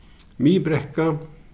miðbrekka